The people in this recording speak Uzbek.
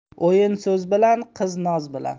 o'yin soz bilan qiz noz bilan